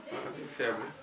maanaam dafa faible